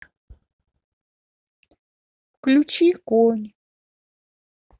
включи конь